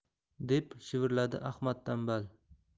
deb shivirladi ahmad tanbal